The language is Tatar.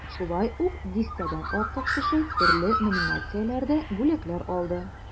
Шулай ук дистәдән артык кеше төрле номинацияләрдә бүләкләр алды.